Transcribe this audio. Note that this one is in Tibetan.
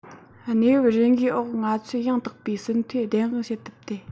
གནས བབ རེ འགའི འོག ང ཚོས ཡང དག པའི ཟིན ཐོས བདེན དཔང བྱེད ཐུབ ཏེ